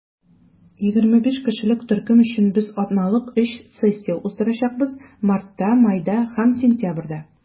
25 кешелек төркем өчен без атналык өч сессия уздырачакбыз - мартта, майда һәм сентябрьдә.